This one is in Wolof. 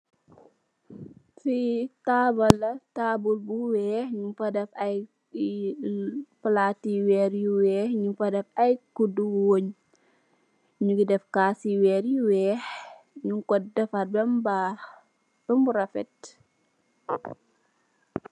Fi table la. Table bu weex nyu fa def ai plati werr yu weyh yu bari. nyu fa def ay kuddu wang. nyu gi def cas si werr yu weyh nyu ko defar bembaax bemrefet.